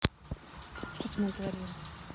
что ты натворила